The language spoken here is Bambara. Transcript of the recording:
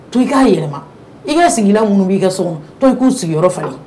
To i k'a yɛlɛma i ka sigi minnu b'i ka so to i k'u sigiyɔrɔ fa